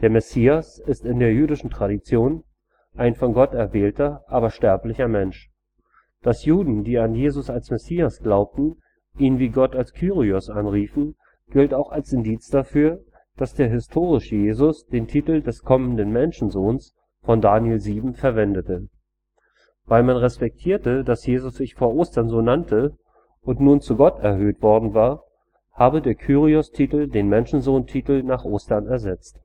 Messias ist in der jüdischen Tradition ein von Gott erwählter, aber sterblicher Mensch. Dass Juden, die an Jesus als Messias glaubten, ihn wie Gott als Kyrios anriefen, gilt auch als Indiz dafür, dass der historische Jesus den Titel des kommenden „ Menschensohns “von Daniel 7 verwendete. Weil man respektierte, dass Jesus sich vor Ostern so nannte und nun zu Gott erhöht worden war, habe der Kyriostitel den Menschensohntitel nach Ostern ersetzt